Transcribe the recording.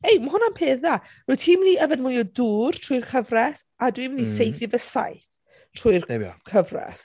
Hei ma hwnna'n peth dda. Rwyt ti'n mynd i yfed mwy o dŵr trwy'r cyfres a dwi'n mynd... mm ...i saethu fy saeth trwy'r... there we are ...cyfres.